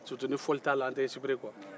surutu ni fɔli t'a la an t ɛ ɛnsipire quoi